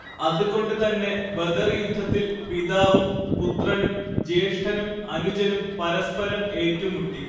അത് കൊണ്ട് തന്നെ ബദർ യുദ്ധത്തിൽ പിതാവും പുത്രനും ജ്യേഷ്ഠനും അനുജനും പരസ്പരം ഏറ്റുമുട്ടി